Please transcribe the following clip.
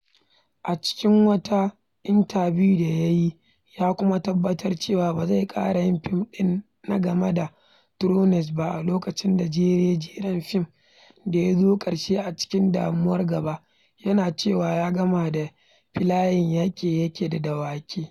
A cikin wata intabiyu da ya yi ya kuma tabbatar cewa ba zai ƙara yin fim ɗin na Game of Thrones ba a lokacin da jere-jeren fim da ya zo ƙarshe a cikin damunar gaba, yana cewa ya 'gama da filayen yaƙe-yaƙe da dawakai'.